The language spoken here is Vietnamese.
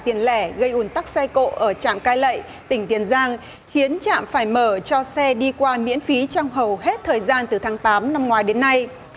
tiền lẻ gây ùn tắc xe cộ ở trạm cai lậy tỉnh tiền giang khiến trạm phải mở cho xe đi qua miễn phí trong hầu hết thời gian từ tháng tám năm ngoái đến nay